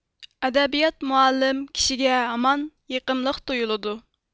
ئەدەبىيات مۇئەللىم كىشگەھامان يېقىملىق تۇيۇلىدۇ